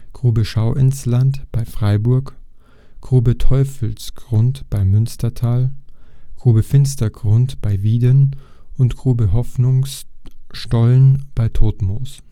Grube Schauinsland bei Freiburg, Grube Teufelsgrund bei Münstertal, Grube Finstergrund bei Wieden und Grube Hoffnungsstollen bei Todtmoos